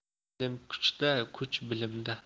bilim kuchda kuch bilimda